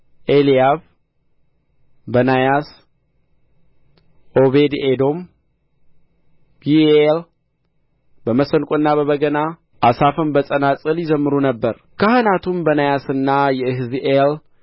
ኤልያብ በናያስ ዖቤድኤዶም ይዒኤል በመሰንቆና በበገና አሳፍም በጸናጽል ይዘምሩ ነበር ካህናቱም በናያስና የሕዚኤል